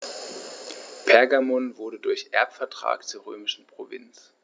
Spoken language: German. Pergamon wurde durch Erbvertrag zur römischen Provinz.